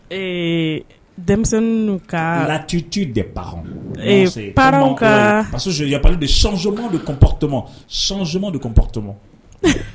Ee denmisɛnnin ka alatiti de ba ka masaya de sonma detomɔ sonsokuma de ko batomɔ